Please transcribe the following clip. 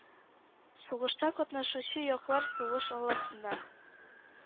Сугышта катнашучы яклар сугыш алласына